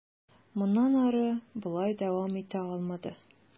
Моннан ары болай дәвам итә алмады.